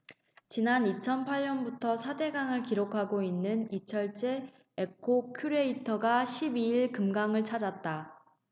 지난 이천 팔 년부터 사 대강을 기록하고 있는 이철재 에코큐레이터가 십 이 일 금강을 찾았다